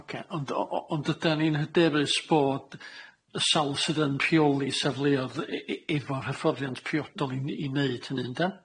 Ocê ond o- o- ond ydan ni'n hyderus bod y sawl sydd yn rheoli safleoedd i- i- efo'r hyfforddiant priodol i n- i neud hynny yndan?